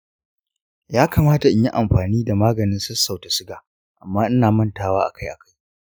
ya kamata in yi amfani da maganin sassauta suga amma ina mantawa akai-akai.